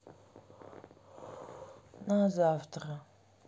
на завтра